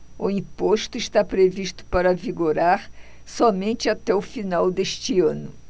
o imposto está previsto para vigorar somente até o final deste ano